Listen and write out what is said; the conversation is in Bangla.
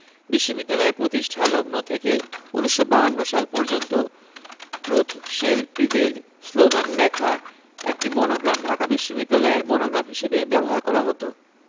বিশ্ববিদ্যালয়ের প্রতিষ্ঠালগ্ন থেকে ১৯৫২ সাল পর্যন্ত ট্রুত শেল প্রিভেইল শ্লোগান লেখা একটি মনোগ্রাম ঢাকা বিশ্ববিদ্যালয়ের মনোগ্রাম হিসেবে ব্যবহার করা হতো